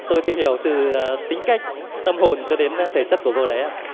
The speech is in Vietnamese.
tôi tìm hiểu từ tính cách tâm hồn cho đến thể chất của cô đấy ạ